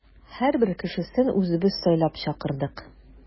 Һәрбер кешесен үзебез сайлап чакырдык.